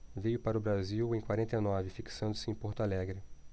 veio para o brasil em quarenta e nove fixando-se em porto alegre